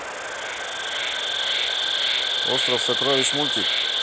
остров сокровищ мультик